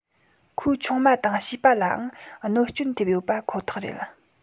ཁོའི ཆུང མ དང བྱིས པ ལའང གནོན སྐྱོན ཐེབས ཡོད པ ཁོ ཐག རེད